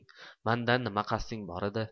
manda nima qasding bor edi